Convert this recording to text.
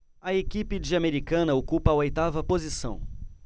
a equipe de americana ocupa a oitava posição